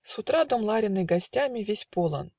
С утра дом Лариных гостями Весь полон